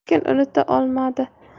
lekin unuta olmadi